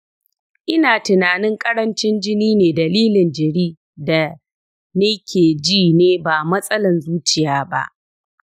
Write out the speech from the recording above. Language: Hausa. ina tinanin karancin jini ne dalilin jiri da ne ke ji ne ba matsalan zuciya ba.